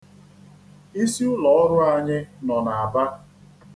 Isi ụlọọrụ anyị nọ n'Aba.